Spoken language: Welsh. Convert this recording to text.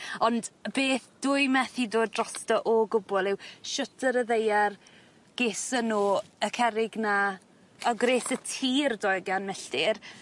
Ond beth dwi methu dod drosto o gwbwl yw shwt ar y ddaear geson nw y cerrig 'na ar gres y tir doi gan milltir